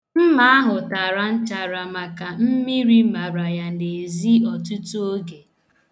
Mma ahụ tara nchara maka mmiri mara ya n'ezi ọtụtụ oge.